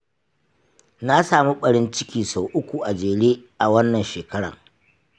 na samu ɓarin ciki sau uku a jere a wannan shekaran.